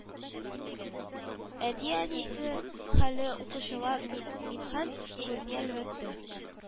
Әтиәнисе хәле укучылар мимитхәт күрми әлбәттә